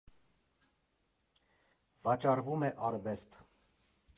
Վաճառվում է արվեստ։